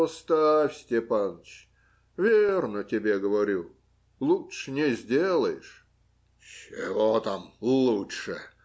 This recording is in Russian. - Оставь, Степаныч, верно тебе говорю лучше не сделаешь. - Чего там лучше!